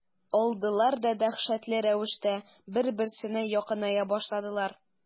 Алдылар да дәһшәтле рәвештә бер-берсенә якыная башладылар.